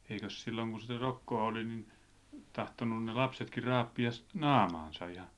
eikös silloin kun sitä rokkoa oli niin tahtonut ne lapsetkin raapia naamaansa ihan